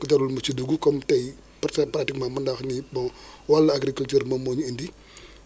waaw je pense que comme kii na ka sama doyen Maodo waxee